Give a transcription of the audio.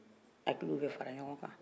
hakiliw bɛ fara ɲɔgɔn kan